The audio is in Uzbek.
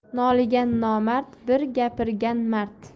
noligan nomard bir gapirgan mard